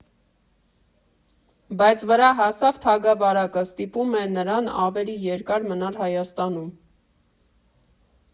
Բայց վրա հասած թագավարակը ստիպում է նրան ավելի երկար մնալ Հայաստանում։